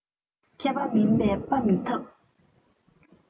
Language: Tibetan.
མཁས པ མིན པས དཔའ མི ཐོབ